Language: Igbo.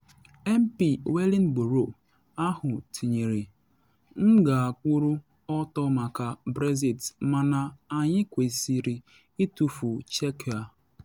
MP Wellingborough ahụ tinyere: ‘M ga-akwụrụ ọtọ maka Brexit mana anyị kwesịrị itufu Chequers.’